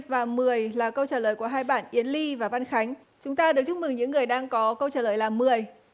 và mười là câu trả lời của hai bản yến ly và văn khánh chúng ta được chúc mừng những người đang có câu trả lời là mười